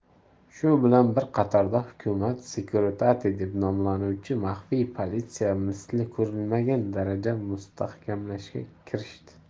shu bilan bir qatorda hukumat sekuritate deb nomlanuvchi maxfiy politsiyani misli ko'rilmagan darajada mustahkamlashga kirishdi